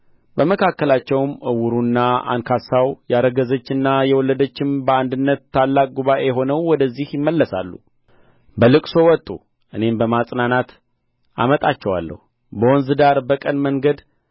በመካከላቸውም ዕውሩና አንካሳው ያረገዘችና የወለደችም በአንድነት ታላቅ ጉባኤ ሆነው ወደዚህ ይመለሳሉ በልቅሶ ወጡ እኔም በማጽናናት አመጣቸዋለሁ በወንዝ ዳር በቅን መንገድ